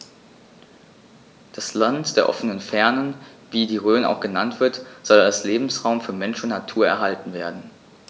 Das „Land der offenen Fernen“, wie die Rhön auch genannt wird, soll als Lebensraum für Mensch und Natur erhalten werden.